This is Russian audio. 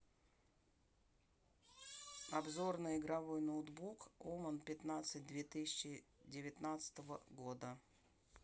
обзорная игровой ноутбук оман пятнадцать две тысячи девятнадцатого года